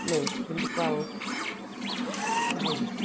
Neu, dydy hi'm di gweld iaith...